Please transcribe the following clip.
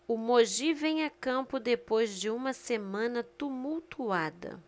o mogi vem a campo depois de uma semana tumultuada